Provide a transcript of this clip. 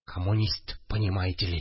– коммунист, понимаете ли